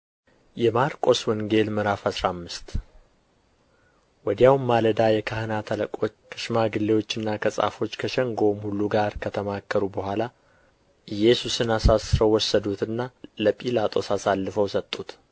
የማርቆስ ወንጌል ምዕራፍ አስራ አምስት ወዲያውም ማለዳ የካህናት አለቆች ከሽማግሌዎችና ከጻፎች ከሸንጎውም ሁሉ ጋር ከተማከሩ በኋላ ኢየሱስን አሳስረው ወሰዱትና ለጲላጦስ አሳልፈው ሰጡት